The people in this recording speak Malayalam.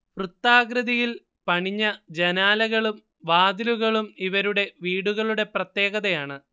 വൃത്താകൃതിയിൽ പണിഞ്ഞ ജനാലകളും വാതിലുകളും ഇവരുടെ വീടുകളുടെ പ്രത്യേകതയാണ്